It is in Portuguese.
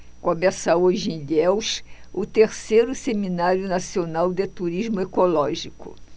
começa hoje em ilhéus o terceiro seminário nacional de turismo ecológico